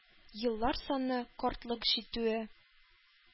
Еллар саны, картлык җитүе.